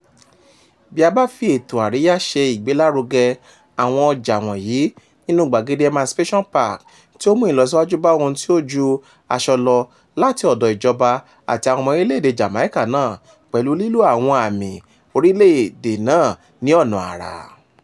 Bí a bá fi ètò àríyá ṣe ìgbélárugẹ àwọn ọjà wọ̀nyí nínúu gbàgede Emancipation Park tí ó mú ìlọsíwájú bá ohun tí ó ju aṣọ lọ láti ọ̀dọ̀ ìjọba àti àwọn ọmọ orílẹ̀ èdèe Jamaica náà, pẹ̀lú lílo àwọn ààmìi orílẹ̀ èdè náà ní ọ̀nà àrà.